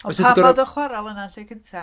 Ond pam bod y chwaral yna'n lle cynta?